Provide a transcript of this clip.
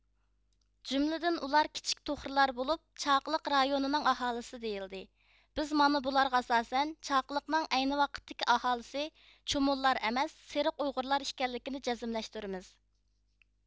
جۈملىدىن ئۇلار كىچىك تۇخرىلار بولۇپ چاقىلىق رايونىنىڭ ئاھالىسى دېيىلدى بىز مانا بۇلارغا ئاساسەن چاقىلىقنىڭ ئەينى ۋاقىتتىكى ئاھالىسى چۇمۇللار ئەمەس سېرىق ئۇيغۇرلار ئىكەنلىكىنى جەزملەشتۈرىمىز